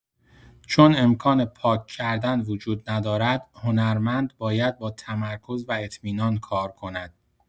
چون امکان پاک‌کردن وجود ندارد، هنرمند باید با تمرکز و اطمینان کار کند.